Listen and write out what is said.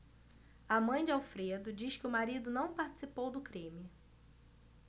a mãe de alfredo diz que o marido não participou do crime